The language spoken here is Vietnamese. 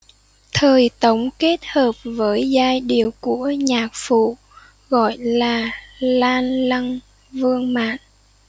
thời tống kết hợp với giai điệu của nhạc phủ gọi là lan lăng vương mạn